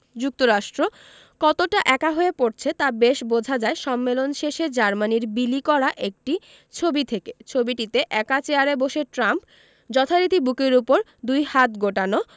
যুক্তরাষ্ট্র কতটা একা হয়ে পড়ছে তা বেশ বোঝা যায় সম্মেলন শেষে জার্মানির বিলি করা একটি ছবি থেকে ছবিটিতে একা চেয়ারে বসে ট্রাম্প যথারীতি বুকের ওপর দুই হাত গোটানো